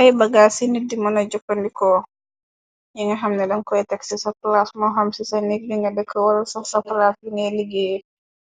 Ay bagaas ci nit di mëna jokkandiko yi nga xamne dam koy tex ci sa plaas mo xam ci a nik bi nga dëkk wala sax sa praaf yi ngay liggéey